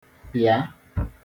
pia